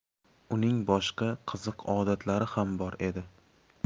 uning boshqa qiziq odatlari ham bor edi